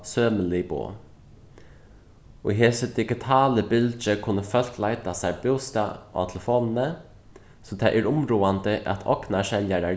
sømilig boð í hesi digitalu bylgju kunnu fólk leita sær bústað á telefonini so tað er umráðandi at ognarseljarar